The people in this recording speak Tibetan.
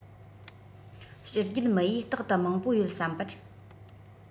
ཕྱི རྒྱལ མི ཡིས རྟག ཏུ མང པོ ཡོད བསམ པར